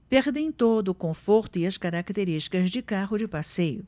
perdem todo o conforto e as características de carro de passeio